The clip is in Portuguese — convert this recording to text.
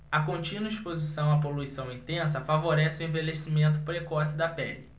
a contínua exposição à poluição intensa favorece o envelhecimento precoce da pele